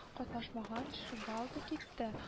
Катнашмаган жигалдо ките